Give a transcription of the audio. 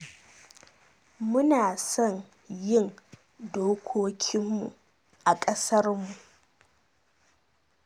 Mu na son yin dokokinmu a ƙasar mu.’'